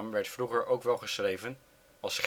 werd vroeger ook wel geschreven als